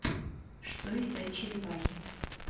что едят черепахи